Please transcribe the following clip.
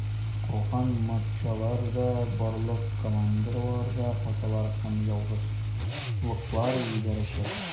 Калган матчларда барлык командалар да хаталар һәм ялгышлыклар җибәрәчәк.